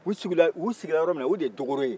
u sigira yɔrɔ minna o de dokoro ye